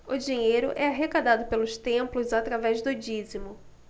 o dinheiro é arrecadado pelos templos através do dízimo